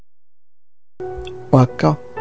مكه